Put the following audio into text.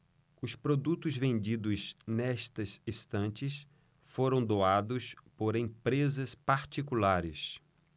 os produtos vendidos nestas estantes foram doados por empresas particulares